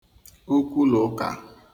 okwulụka